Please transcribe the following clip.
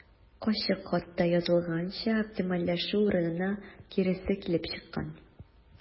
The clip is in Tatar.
Ачык хатта язылганча, оптимальләшү урынына киресе килеп чыккан.